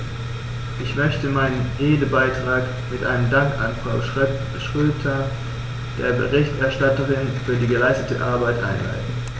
Ich möchte meinen Redebeitrag mit einem Dank an Frau Schroedter, der Berichterstatterin, für die geleistete Arbeit einleiten.